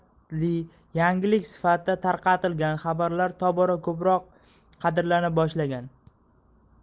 tarqatilgan xabarlar tobora ko'proq qadrlana boshlagan